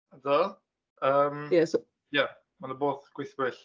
Yndw yym... ie so ...ie, mae 'na bwrdd gwyddbwyll.